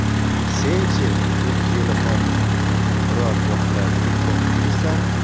sen chi dedi zelixon biror yoqqa ketmoqchimisan